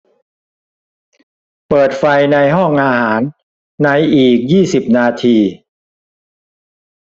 เปิดไฟในห้องอาหารในอีกยี่สิบนาที